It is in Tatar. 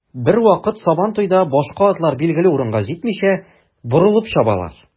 Бервакыт сабантуйда башка атлар билгеле урынга җитмичә, борылып чабалар.